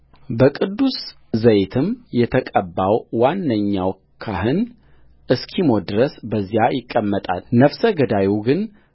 በቅዱስ ዘይትም የተቀባው ዋነኛው ካህን እስኪሞት ድረስ በዚያ ይቀመጣልነፍሰ ገዳዩ ግን